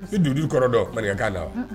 I dugu kɔrɔ dɔn marakakan la